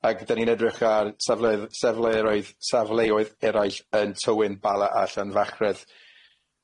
Ag dan ni'n edrych ar safle- sefleroedd safleoedd eraill yn Tywyn Bala a Llanfachredd.